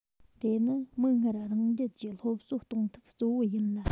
དེ ནི མིག སྔར རང རྒྱལ གྱི སློབ གསོ གཏོང ཐབས གཙོ བོ ཡིན ལ